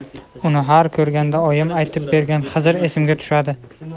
uni har ko'rganda oyim aytib bergan xizr esimga tushadi